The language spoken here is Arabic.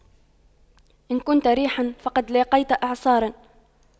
إن كنت ريحا فقد لاقيت إعصارا